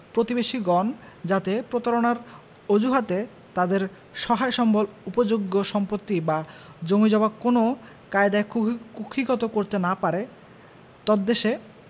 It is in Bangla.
প্রতিবেশীগণ যাতে প্রতারণার অজুহাতে তাদের সহায় সম্ভল উপযোগ্য সম্পত্তি বা জমিজমা কোনও কায়দায় কুক্ষীগত করতে না পারে তদ্দেশে